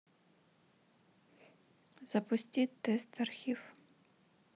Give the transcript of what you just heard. запусти тест архив